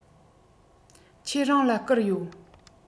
ཁྱེད རང ལ བསྐུར ཡོད